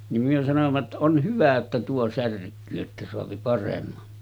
niin me sanoimme jotta on hyvä jotta tuo särkyy että saa paremman